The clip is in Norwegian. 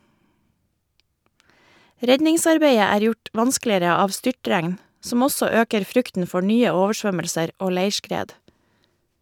Redningsarbeidet er gjort vanskeligere av styrtregn , som også øker frykten for nye oversvømmelser og leirskred.